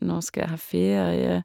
Når skal jeg ha ferie?